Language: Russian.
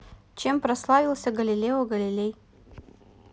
чем прославился галилео галилей